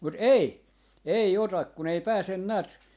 mutta ei ei ota kun ei pääse näet